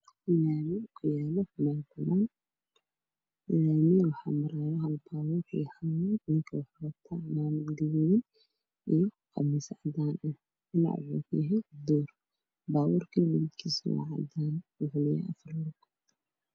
Waa laami waxaa maraayo nin wato khamiis caddaan gaari cadaan ay ag yaalo laamiga midabkiisa waa madow